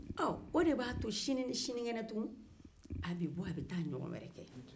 ɔɔ o de b'a to sini ni sinikɛnɛ tugu a bɛ bɔ a bɛ taa a ɲɔgɔn wɛrɛ kɛ